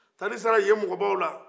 a tar'i sara yen mɔgɔbaw la